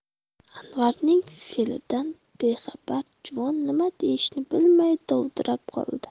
anvarning fe'lidan bexabar juvon nima deyishini bilmay dovdirab qoldi